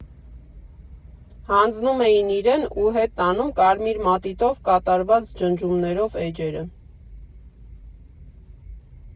Հանձնում էին իրեն ու հետ ստանում կարմիր մատիտով կատարված ջնջումներով էջերը։